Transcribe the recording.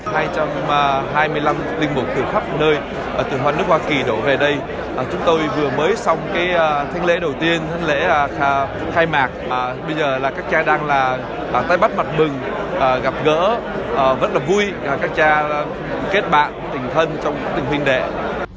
hai trăm a hai mươi lăm linh mục từ khắp nơi từ nước hoa kì đổ về đây ờ chúng tôi vừa mới xong cái thánh lễ đầu tiên thánh lễ a khai mạc à bây giờ là các cha đang là ờ tay bắt mặt mừng gặp gỡ ờ rất là vui các cha kết bạn tình thân trong tình huynh đệ